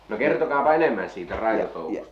no kertokaapa enemmän siitä raitotouhusta